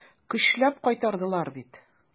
Көчләп кайтардылар бит.